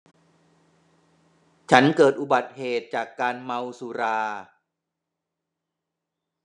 ฉันเกิดอุบัติเหตุจากการเมาสุรา